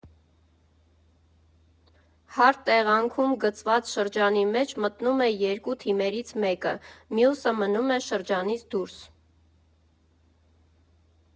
Հարթ տեղանքում գծված շրջանի մեջ մտնում է երկու թիմերից մեկը, մյուսը մնում է շրջանից դուրս։